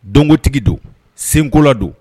Dɔnkotigi don, senkola don